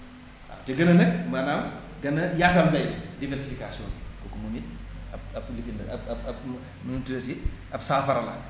waaw te gën a nag maanaam gën a yaatal mbay mi diversification bi kooku moom it ab ab lifin la ab ab nu mu tuddati ab saafara la